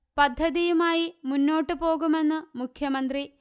പദ്ധതിയുമായി മുന്നോട്ടു പോകുമെന്നു മുഖ്യമന്ത്രി